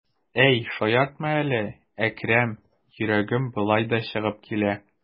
Әй, шаяртма әле, Әкрәм, йөрәгем болай да чыгып килә.